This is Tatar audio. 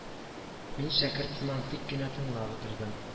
Мин шәкерт сыман тик кенә тыңлап утырдым